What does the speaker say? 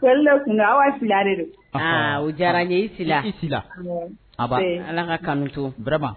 kun de aa o diyara ye i i a' ala ka kanumibba